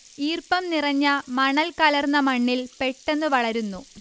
ഈർപ്പം നിറഞ്ഞ മണൽ കലർന്ന മണ്ണിൽ പെട്ടെന്ന് വളരുന്നു